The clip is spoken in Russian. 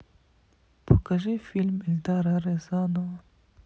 покажи фильмы эльдара рязанова